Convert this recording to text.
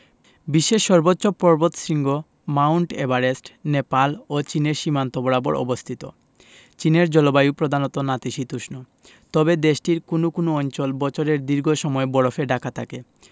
বিশ্বের সর্বোচ্চ পর্বতশৃঙ্গ মাউন্ট এভারেস্ট নেপাল ও চীনের সীমান্ত বরাবর অবস্থিত চীনের জলবায়ু প্রধানত নাতিশীতোষ্ণ তবে দেশটির কোনো কোনো অঞ্চল বছরের দীর্ঘ সময় বরফে ঢাকা থাকে